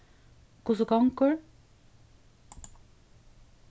hvussu gongur